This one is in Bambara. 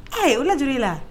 Ayi o ne joli i la